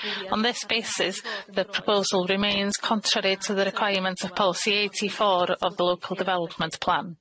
On this basis the proposal remains contrary to the requirement of policy eighty four of the local development plan.